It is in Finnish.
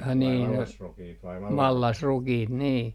ai niin no mallasrukiita niin